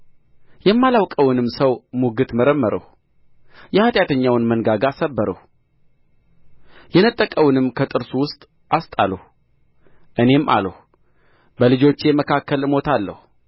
የማላውቀውንም ሰው ሙግት መረመርሁ የኃጢአተኛውን መንጋጋ ሰበርሁ የነጠቀውንም ከጥርሱ ውስጥ አስጣልሁ እኔም አልሁ በልጆቼ መካከል እሞታለሁ